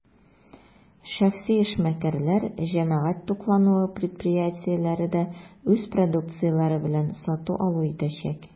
Шәхси эшмәкәрләр, җәмәгать туклануы предприятиеләре дә үз продукцияләре белән сату-алу итәчәк.